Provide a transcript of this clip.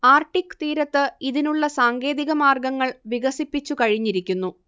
Arctic തീരത്ത് ഇതിനുള്ള സാങ്കേതിക മാർഗങ്ങൾ വികസിപ്പിച്ചു കഴിഞ്ഞിരിക്കുന്നു